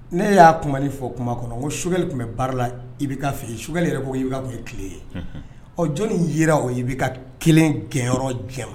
Ne y'a kuma fɔ kuma kɔnɔ koli tun bɛ baara la i bɛ ka fɛ i sokɛ yɛrɛ b' kun ye tile ye ɔ jɔnni yira o ye bɛ ka kelen gɛnyɔrɔ jama